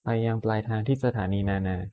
ไปยังปลายทางที่สถานีบางนา